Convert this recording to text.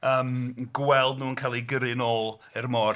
Yym yn gweld nhw'n cael eu gyrru yn ôl i'r môr 'lly.